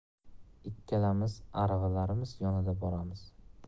ikkalamiz aravalarimiz yonida boramiz